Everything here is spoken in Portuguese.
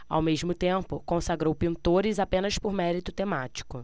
ao mesmo tempo consagrou pintores apenas por mérito temático